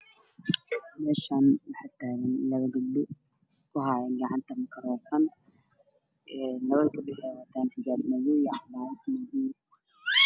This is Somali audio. Meshaan waxaa tagan laba gebdho oo gacanta ku haayo makarofan labada gabdhood wexey wataan xijabo madoow iyo cabayado madoow ah